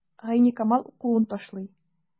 Гайникамал укуын ташлый.